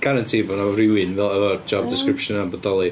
Guaranteed bod yna rywun, fel efo'r job description yna, yn bodoli.